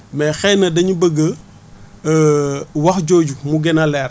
mais xëy na dañu bëgg wax jooju mu gën a leer